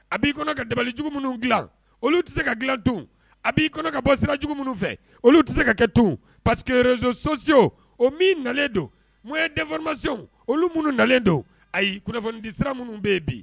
A b'i kɔnɔ ka dabali jugu minnu dilan olu tɛse se ka dilan don a b'i kɔnɔ ka bɔ sira jugu minnu fɛ olu tɛ se ka kɛ to pa que rezsososi o min nalen don n ye denfamasiw olu minnu nalen don ayi kunnafonidi sira minnu bɛ yen bi